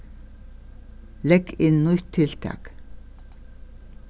legg inn nýtt tiltak